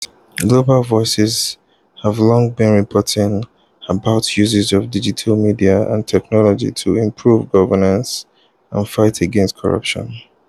Global Voices has long been reporting about uses of digital media and technology to improve governance and fight against corruption.